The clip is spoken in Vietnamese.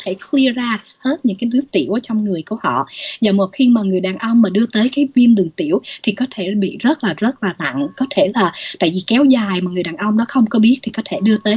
thể chui ra hết những kiến thức tiểu trong người cô họ nhờ một khi mà người đàn ông và đưa tới các viêm đường tiểu thì có thể bị rớt là rớt và nặng có thể là tại vì kéo dài một người đàn ông đó không có biết thì có thể đưa tới